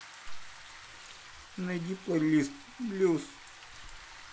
найди плейлист блюз